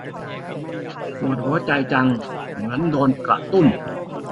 ปวดหัวใจจังเหมือนโดนกระตุ้น